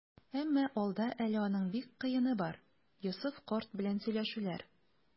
Әмма алда әле аның бик кыены бар - Йосыф карт белән сөйләшүләр.